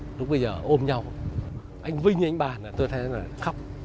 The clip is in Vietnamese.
lúc bấy giờ ôm nhau anh vinh anh bàn là tôi thấy là khóc